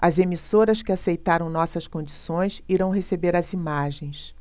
as emissoras que aceitaram nossas condições irão receber as imagens